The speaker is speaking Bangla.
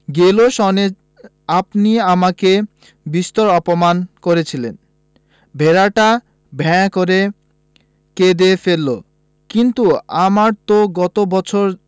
গেল সনে আপনি আমাকে বিস্তর অপমান করেছিলেন ভেড়াটা ভ্যাঁ করে কেঁদে ফেলল কিন্তু আমার তো গত বছর